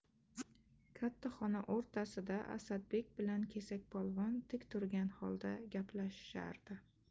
katta xona o'rtasida asadbek bilan kesakpolvon tik turgan holda gaplashishardi